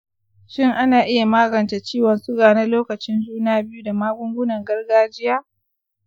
shin ana iya magance ciwon suga na lokacin juna-biyu da magungunan gargajiya?